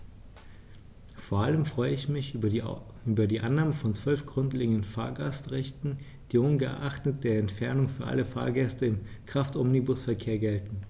Vor allem freue ich mich über die Annahme von 12 grundlegenden Fahrgastrechten, die ungeachtet der Entfernung für alle Fahrgäste im Kraftomnibusverkehr gelten.